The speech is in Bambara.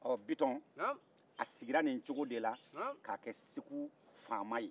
ɔ bitɔn a sigira nin cogo de la k'a kɛ segu faama ye